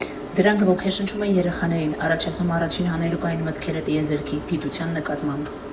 Դրանք ոգեշնչում են երեխաներին, առաջացնում առաջին հանելուկային մտքերը տիեզերքի, գիտության նկատմամբ։